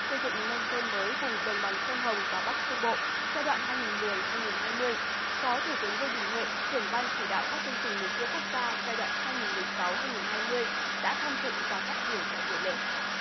xây dựng nông thôn mới vùng đồng bằng sông hồng và bắc trung bộ giai đoạn hai nghìn mười hai nghìn hai mươi phó thủ tướng vương đình huệ trưởng ban chỉ đạo các chương trình mục tiêu quốc gia giai đoạn hai nghìn mười sáu hai nghìn hai mươi đã tham dự và phát biểu tại buổi lễ